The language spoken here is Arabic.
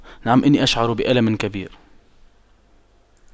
نعم إني اشعر بألم كبير